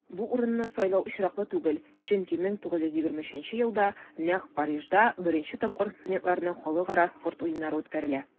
Бу урынны сайлау очраклы түгел, чөнки 1923 елда нәкъ Парижда беренче тапкыр студентларның Халыкара спорт уеннары үткәрелә.